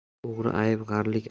o'g'rik ayb g'arlik